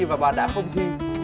mà bạn đã không thi